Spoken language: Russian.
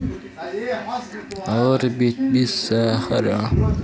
орбит без сахара